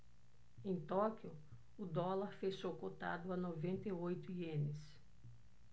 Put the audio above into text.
em tóquio o dólar fechou cotado a noventa e oito ienes